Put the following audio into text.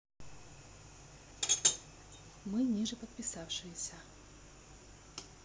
мы ниже подписавшиеся